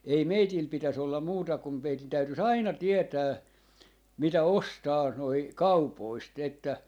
ei meillä pitäisi olla muuta kun meidän täytyisi aina tietää mitä ostaa nuo kaupoista että